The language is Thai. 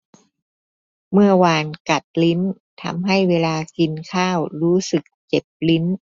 เมื่อวานกัดลิ้นทำให้เวลากินข้าวรู้สึกเจ็บลิ้น